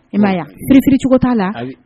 Maria ptiriricogo t'a la